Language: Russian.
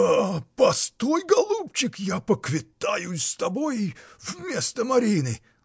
— А, постой, голубчик, я повидаюсь с тобой — вместо Марины!